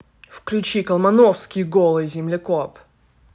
включи колмановский голый землекоп